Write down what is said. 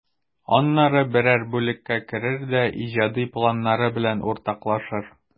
Аннары берәр бүлеккә керер дә иҗади планнары белән уртаклашыр.